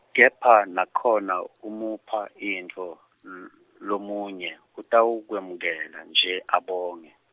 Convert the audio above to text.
kepha nakhona, umupha intfo, l- lomunye utawukwemukela nje, abonge.